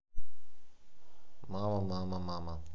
мама мама мама